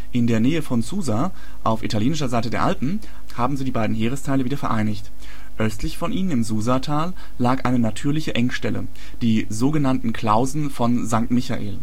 In der Nähe von Susa, auf italienischer Seite der Alpen, haben sie die beiden Heeresteile wieder vereinigt. Östlich von ihnen im Susatal lag eine natürliche Engstelle, die sogenannten Klausen von Sankt Michael